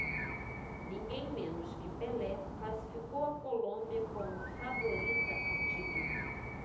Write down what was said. ninguém menos que pelé classificou a colômbia como favorita ao título